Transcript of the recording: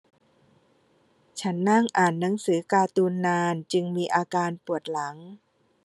ฉันนั่งอ่านหนังสือการ์ตูนนานจึงมีอาการปวดหลัง